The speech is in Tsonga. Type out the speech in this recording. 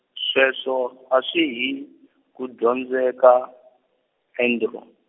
sweswo a swi hi, ku dyondzeka, Andro.